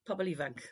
pobol ifanc